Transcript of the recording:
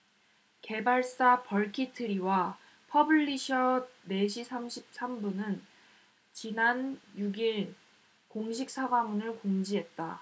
개발사 벌키트리와 퍼블리셔 네시삼십삼분은 지난 육 일 공식 사과문을 공지했다